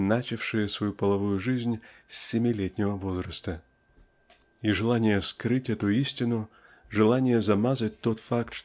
начавшие свою половую жизнь с семилетнего возраста. И желание скрыть эту истину желание замазать тот факт